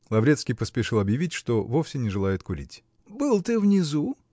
Лаврецкий поспешил объявить, что вовсе не желает курить. -- Был ты внизу?